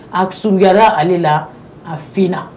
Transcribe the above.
A sunjatara ale la a f